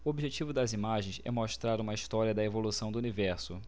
o objetivo das imagens é mostrar uma história da evolução do universo